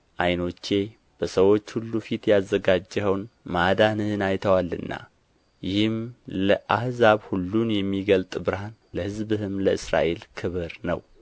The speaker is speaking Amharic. ዓይኖቼ በሰዎች ሁሉ ፊት ያዘጋጀኸውን ማዳንህን አይተዋልና ይህም ለአሕዛብ ሁሉን የሚገልጥ ብርሃን ለሕዝብህም ለእስራኤል ክብር ነው